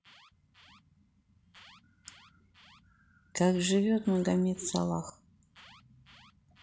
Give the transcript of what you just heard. как живет магомед салах